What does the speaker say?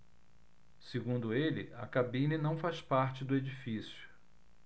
segundo ele a cabine não faz parte do edifício